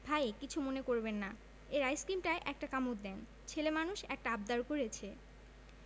ভাই কিছু মনে করবেন না এর আইসক্রিমটায় একটা কামড় দেন ছেলে মানুষ একটা আবদার করেছে